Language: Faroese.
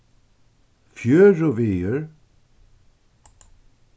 fjøruvegur